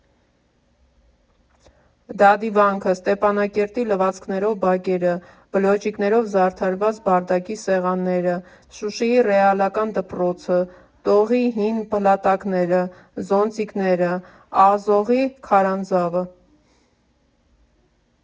Դադիվա՞նքը, Ստեփանակերտի լվացքներով բակե՞րը, Բլոջիկներով զարդարված Բարդակի սեղաննե՞րը, Շուշիի ռեալական դպրո՞ցը, Տողի հին փլատակնե՞րը, Զոնտիկնե՞րը, Ազոխի քարանձա՞վը…